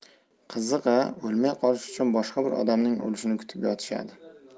qiziq a o'lmay qolish uchun boshqa bir odamning o'lishini kutib yotishadi